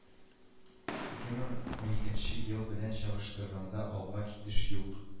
Ике мең уникенче ел белән чагыштырганда алга китеш юк